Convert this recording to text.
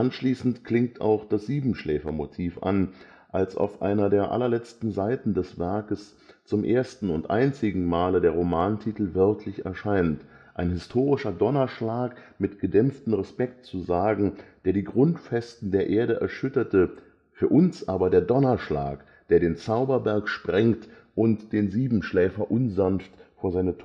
Schließlich klingt auch das Siebenschläfer-Motiv an, als auf einer der allerletzten Seiten des Werks zum ersten und einzigen Male der Romantitel wörtlich erscheint: ein historischer Donnerschlag, mit gedämpftem Respekt zu sagen, der die Grundfesten der Erde erschütterte, für uns aber der Donnerschlag, der den Zauberberg sprengt und den Siebenschläfer unsanft vor seine Tore